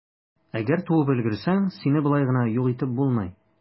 Әгәр туып өлгерсәң, сине болай гына юк итеп булмый.